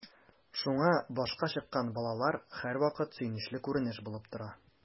Шуңа “башка чыккан” балалар һәрвакыт сөенечле күренеш булып тора.